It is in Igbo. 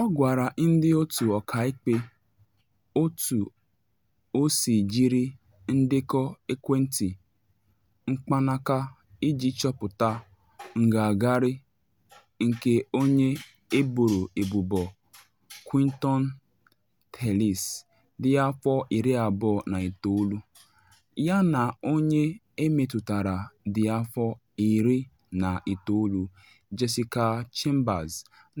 Ọ gwara ndị otu ọkaikpe otu o si jiri ndekọ ekwentị mkpanaka iji chọpụta ngagharị nke onye eboro ebubo Quinton Tellis dị afọ 29 yana onye emetụtara dị afọ 19, Jessica Chambers,